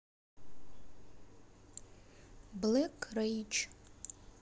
black rage